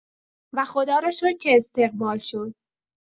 و خدا رو شکر که استقبال شد.